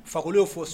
Fakoly y'o fɔ